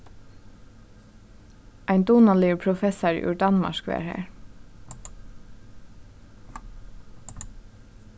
ein dugnaligur professari úr danmark var har